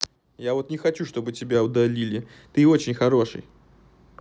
я вот не хочу чтоб тебя удалили ты очень хороший